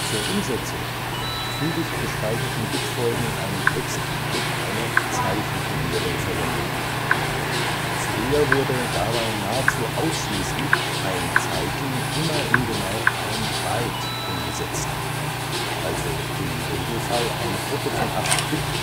Zur Umsetzung der physisch gespeicherten Bitfolgen in einem Text wird eine Zeichencodierung verwendet. Früher wurde dabei nahezu ausschließlich ein Zeichen immer in genau ein Byte umgesetzt, also im Regelfall eine Gruppe von 8 Bit,